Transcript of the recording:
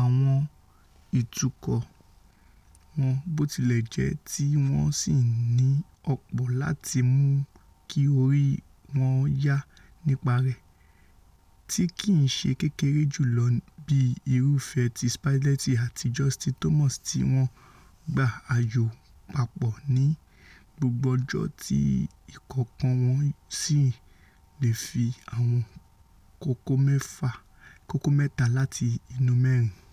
àwọn ìtukọ wọn botilẹjẹ tí wọ́n sì ní ọ̀pọ̀ láti mú kí orí wọn yá nípa rẹ̀, tíkìí ṣe kékeré jùlọ bí irúfẹ́ ti Spieth àti Justin Thomas tí wọ́n gbá ayò papọ̀ ní gbogbo ọjọ́ tí ìkọ̀ọ̀kan wọn sì leè fi àwọn kókó mẹ́ta láti inú mẹ́rin.